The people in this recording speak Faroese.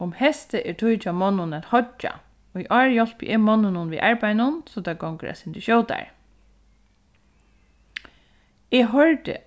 um heystið er tíð hjá monnum at hoyggja í ár hjálpi eg monnunum við arbeiðinum so tað gongur eitt sindur skjótari eg hoyrdi